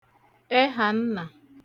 ẹhànna